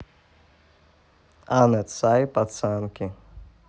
анне сайт пацанки